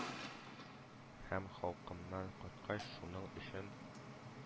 Һәм халкымнан, кайткач, шуның өчен